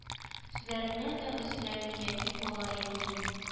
Сүзләреңнән дә өзелә мин ятим балам ятим